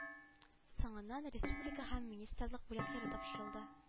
Соңыннан республика һәм министрлык бүләкләре тапшырылды